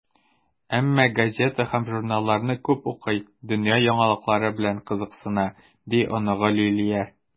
Әмма газета һәм журналларны күп укый, дөнья яңалыклары белән кызыксына, - ди оныгы Лилия.